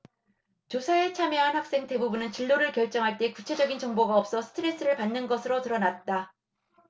조사에 참여한 학생 대부분은 진로를 결정할 때 구체적인 정보가 없어 스트레스를 받는 것으로 드러났다